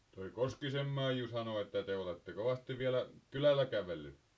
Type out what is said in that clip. tuo Koskisen Maiju sanoi että te olette kovasti vielä kylällä kävellyt